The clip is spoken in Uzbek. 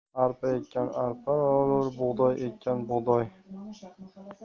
arpa ekkan arpa olar bug'doy ekkan bug'doy